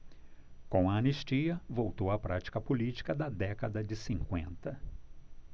com a anistia voltou a prática política da década de cinquenta